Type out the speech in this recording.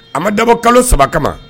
A ma dabɔ kalo saba kama